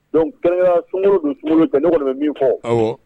Dɔnkuc kɛlɛ sun don sun ka ɲɔgɔn bɛ min fɔ